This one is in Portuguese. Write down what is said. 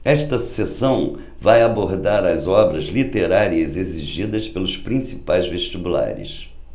esta seção vai abordar as obras literárias exigidas pelos principais vestibulares